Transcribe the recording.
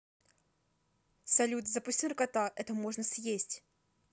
салют запусти наркота это можно съесть